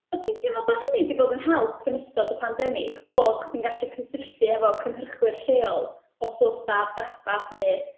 Wyt ti'n teimlo bod hynny 'di bod yn help yn ystod y pandemig, bod chdi'n gallu cysylltu efo cynhyrchwyr lleol, os oes 'na drafferth neu...?